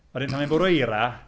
A wedyn pan mae'n bwrw eira...